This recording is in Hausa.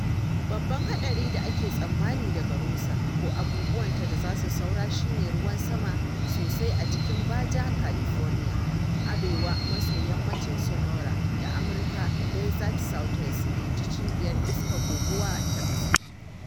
“Babban haɗari da ake tsammani daga Rosa ko abubuwanta da za su saura shi ne ruwan sama sosai a cikin Baja California, arewa-maso-yammacin Sonora, da Amurka Desert Southwest," inji Cibiyar Iskar Guguwa ta Ƙasa.